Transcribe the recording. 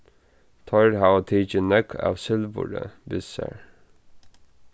teir hava tikið nógv av silvuri við sær